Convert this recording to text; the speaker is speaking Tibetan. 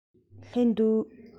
སླེབས འདུག